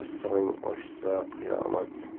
issig'ing oshsa qiyomat